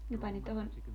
ne pani tuohon